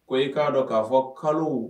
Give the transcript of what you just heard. Ko i k'a dɔn k'a fɔ kalo